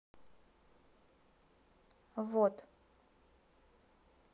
ввод